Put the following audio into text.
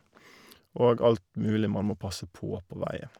Og alt mulig man må passe på på veien.